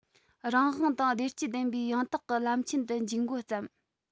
རང དབང དང བདེ སྐྱིད ལྡན པའི ཡང དག གི ལམ ཆེན དུ འཇུག མགོ བརྩམས